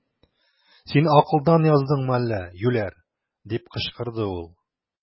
Син акылдан яздыңмы әллә, юләр! - дип кычкырды ул.